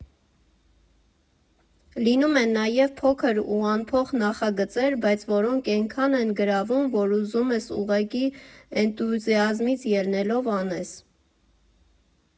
Լինում են նաև փոքր ու անփող նախագծեր, բայց որոնք էնքան են գրավում, որ ուզում ես ուղղակի էնտուզիազմից ելնելով անես։